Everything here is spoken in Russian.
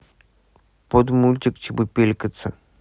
под мультик чебупелькаться